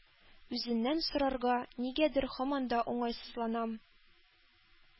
Үзеннән сорарга нигәдер һаман да уңайсызланам.